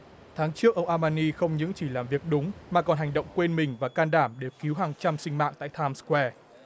tháng trước ông a ma ni không những chỉ làm việc đúng mà còn hành động quên mình và can đảm để cứu hàng trăm sinh mạng tại tham sờ goe